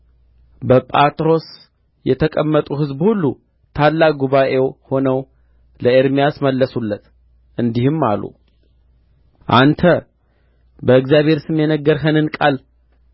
በጳትሮስ የተቀመጡ ሕዝብ ሁሉ ታላቅ ጉባኤ ሆነው ለኤርምያስ መለሱለት እንዲህም አሉ አንተ በእግዚአብሔር ስም የነገርኸንን ቃል